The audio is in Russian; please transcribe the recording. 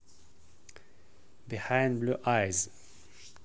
behind blue eyes